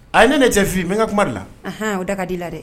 A ye ne cɛ n bɛ ka kuma de la o da ka di i la dɛ